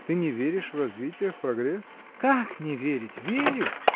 Ты не веришь в развитие, в прогресс? — Как не верить, верю!